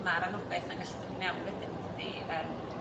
ma'r anogaeth 'na'n gallu dod i mewn wedyn yn dydi? Yym